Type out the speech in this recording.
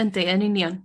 Yndi yn union.